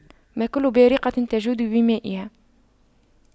ما كل بارقة تجود بمائها